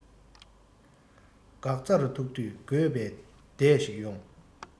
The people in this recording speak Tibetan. འགག རྩར ཐུག དུས དགོས པའི དུས ཤིག ཡོང